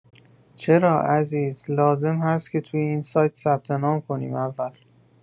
چرا عزیز لازمه هست که توی این سایت ثبت‌نام کنیم اول